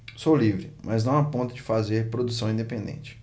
sou livre mas não a ponto de fazer produção independente